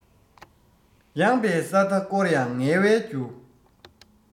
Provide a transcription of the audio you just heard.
ཡངས པའི ས མཐའ བསྐོར ཡང ངལ བའི རྒྱུ